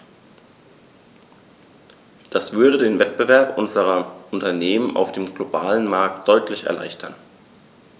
Das würde den Wettbewerb unserer Unternehmen auf dem globalen Markt deutlich erleichtern.